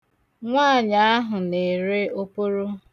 Nwaanyị ahụ na-ere oporo.